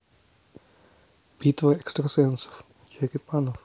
битва экстрасенсов черепанов